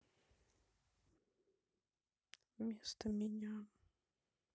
вместо меня